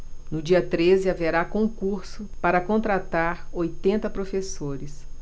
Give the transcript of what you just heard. no dia treze haverá concurso para contratar oitenta professores